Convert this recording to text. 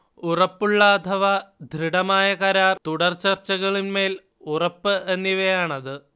ഉറപ്പുള്ള അഥവാ ദൃഢമായ കരാർ, തുടർചർച്ചകളിന്മേൽ ഉറപ്പ് എന്നിവയാണത്